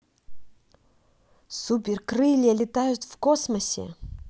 супер крылья летают в космосе